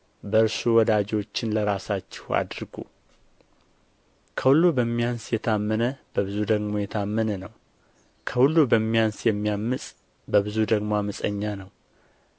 በእርሱ ወዳጆችን ለራሳችሁ አድርጉ ከሁሉ በሚያንስ የታመነ በብዙ ደግሞ የታመነ ነው ከሁሉ በሚያንስም የሚያምፅ በብዙ ደግሞ ዓመፀኛ ነው